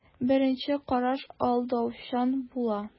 Беренче караш алдаучан була.